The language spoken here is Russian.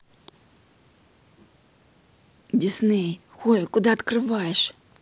disney хуй куда открываешь